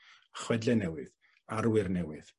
chwedle newydd, arwyr newydd.